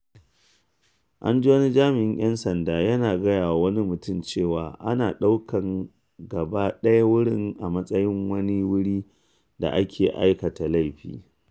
An ji wani jami’in ‘yan sanda yana gaya wa wani mutum cewa ana ɗaukan gaba ɗaya wurin a matsayin wani wuri da aka aikata laifi.